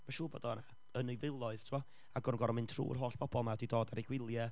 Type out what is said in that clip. mae'n siŵr bod o yna, yn ei filoedd tibod, ac o' nhw'n gorfod mynd trwy'r holl bobl yma i ddod ar eu gwyliau,